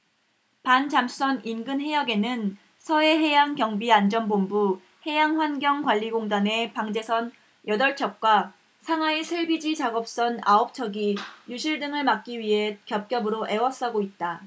반잠수선 인근해역에는 서해해양경비안전본부 해양환경관리공단의 방제선 여덟 척과 상하이 샐비지 작업선 아홉 척이 유실 등을 막기 위해 겹겹으로 에워싸고 있다